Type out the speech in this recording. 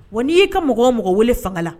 Wa n'i'i ka mɔgɔ mɔgɔ wele fanga la